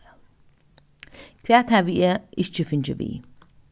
hvat havi eg ikki fingið við